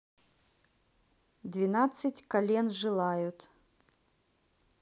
двенадцать колен жилают